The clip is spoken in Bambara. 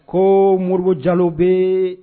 Ko moribugu jalo bɛ